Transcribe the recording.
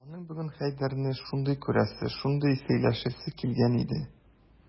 Аның бүген Хәйдәрне шундый күрәсе, шундый сөйләшәсе килгән иде...